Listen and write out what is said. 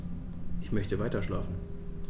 Ich möchte weiterschlafen.